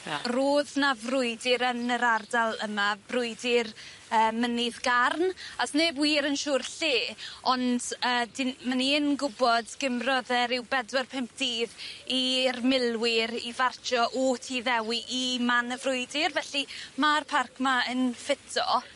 Na. Ro'dd 'na frwydyr yn yr ardal yma brwydyr yy mynydd Garn a 's neb wir yn siŵr lle ond yy 'dyn- ma' ni yn gwbod gymrodd e ryw bedwar pump dydd i'r milwyr i fartsio o Tŷ Ddewi i man y frwydyr felly ma'r parc 'ma yn ffito.